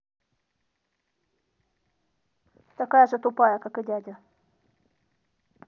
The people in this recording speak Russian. ты такая же тупая как и дядя